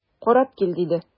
Карап кил,– диде.